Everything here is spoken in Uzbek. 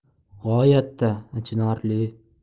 g'oyatda achinarli